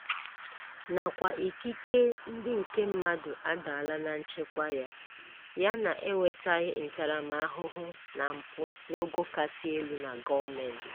Na kwa, ikike ndị nke mmadụ adaala na nchịkwa ya, ya na enwetaghị ntaramahụhụ ma mpụ n'ogo kachasị elu na gọọmentị.